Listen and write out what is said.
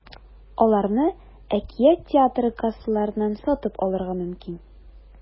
Аларны “Әкият” театры кассаларыннан сатып алырга мөмкин.